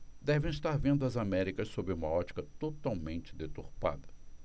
devem estar vendo as américas sob uma ótica totalmente deturpada